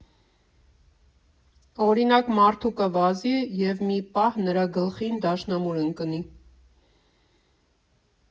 Օրինակ՝ մարդուկը վազի և մի պահ նրա գլխին դաշնամուր ընկնի։